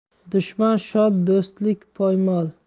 dushman shod do'st poymol